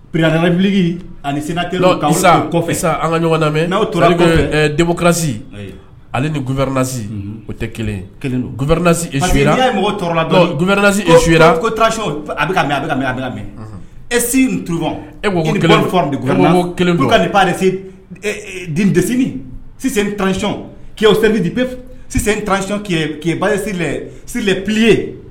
Erediliki ani sinina kɔfɛ an ka ɲɔgɔn lamɛnmɛ n'a tora debosi ale ni gsi o tɛ gsi e n mɔgɔ tɔɔrɔɔrɔla dɔn gfɛnasi esu koc a bɛ a bɛ ka a bɛ mɛ esi e kelen kelen kaalesete sisan 1c ke selipsi tancɔn kebalɛ pliye